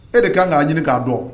E de kan k'a ɲini k'a dɔn